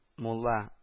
Мулла